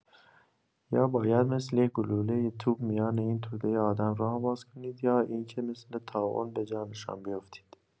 یا باید مثل یک گلوله توپ میان این توده آدم راه باز کنید، یا این که مثل طاعون به جان‌شان بیفتید.